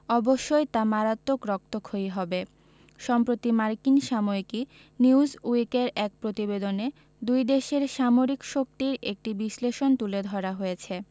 অবশ্যই তা মারাত্মক রক্তক্ষয়ী হবে সম্প্রতি মার্কিন সাময়িকী নিউজউইকের এক প্রতিবেদনে দুই দেশের সামরিক শক্তির একটি বিশ্লেষণ তুলে ধরা হয়েছে